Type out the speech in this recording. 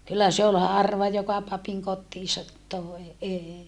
kyllä se oli harva joka papin kotiinsa toi ei